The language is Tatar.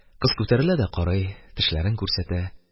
Кыз күтәрелә дә карый, тешләрен күрсәтә.